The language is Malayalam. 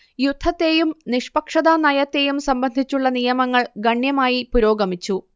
യുദ്ധത്തെയും നിഷ്പക്ഷതാനയത്തെയും സംബന്ധിച്ചുള്ള നിയമങ്ങൾ ഗണ്യമായി പുരോഗമിച്ചു